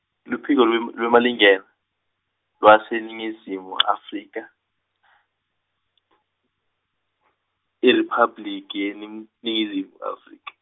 Luphiko lweM-, lweMalingena lwaseNingizimu Afrika , IRiphabliki yeNing- ngizimu Afrika.